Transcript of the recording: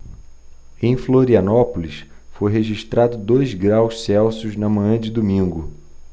em florianópolis foi registrado dois graus celsius na manhã de domingo